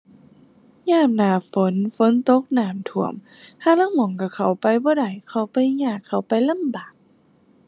ยามหน้าฝนฝนตกน้ำท่วม ห่าลางหม้องก็เข้าไปบ่ได้ เข้าไปยากเข้าไปลำบาก